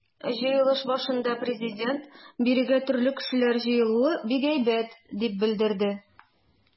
Җыелыш башында Президент: “Бирегә төрле кешеләр җыелуы бик әйбәт", - дип белдерде.